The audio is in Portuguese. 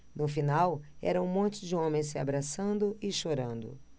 no final era um monte de homens se abraçando e chorando